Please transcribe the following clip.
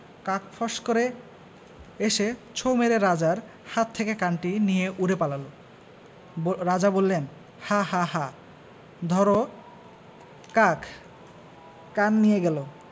কাক ফস্ করে এসে ছোঁ মেরে রাজার হাত থেকে কানটি নিয়ে উড়ে পালাল রাজা বললেন হাঁ হাঁ হাঁ ধরো কাক কান নিয়ে গেল